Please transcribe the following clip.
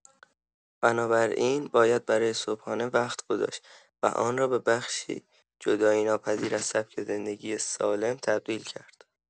بنابراین باید برای صبحانه وقت گذاشت و آن را به بخشی جدایی‌ناپذیر از سبک زندگی سالم تبدیل کرد.